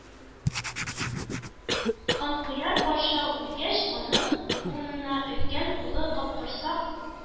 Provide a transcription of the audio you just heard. Канкояр патша үлгәч, аның урынына өлкән улы Капкорсак